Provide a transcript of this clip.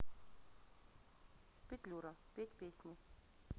петлюра петь песни